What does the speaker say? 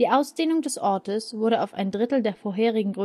Ausdehnung des Ortes wurde auf ein Drittel der vorherigen